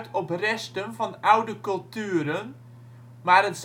op resten van oude culturen maar het